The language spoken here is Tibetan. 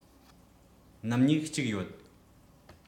སྣུམ སྨྱུག གཅིག ཡོད